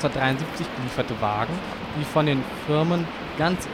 1973 gelieferte Wagen, die von den Firmen Ganz